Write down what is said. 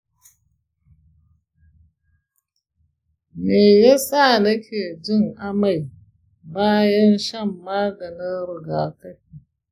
me yasa nake jin amai bayan shan maganin rigakafi?